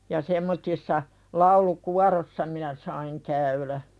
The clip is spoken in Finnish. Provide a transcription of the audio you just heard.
ja semmoisissa laulukuoroissa minä sain käydä